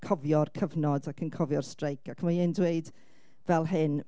Cofio'r cyfnod ac yn cofio'r streic. Ac mae e'n dweud fel hyn...